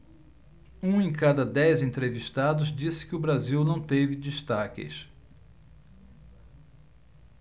um em cada dez entrevistados disse que o brasil não teve destaques